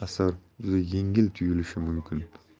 asar juda yengil tuyulishi mumkin